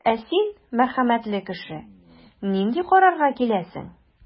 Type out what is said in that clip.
Ә син, мәрхәмәтле кеше, нинди карарга киләсең?